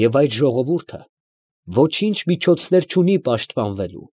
ԵՒ այդ ժողովուրդը ոչինչ միջոցներ չունի պաշտպանվելու։